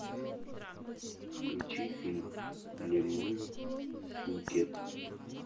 включи фильм лемони сникет